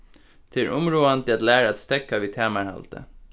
tað er umráðandi at læra at steðga við tamarhaldi